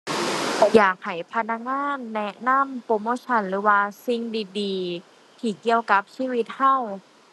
อยากให้พนักงานแนะนำโปรโมชันหรือว่าสิ่งดีดีที่เกี่ยวกับชีวิตเรา